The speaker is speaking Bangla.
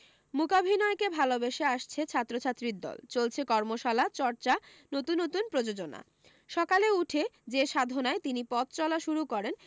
মূকাভিনয়কে ভালবেসে আসছে ছাত্রছাত্রীর দল চলছে কর্মশালা চর্চা নতুন নতুন প্রযোজনা সকালে উঠে যে সাধনায় তিনি পথ চলা শুরু করেন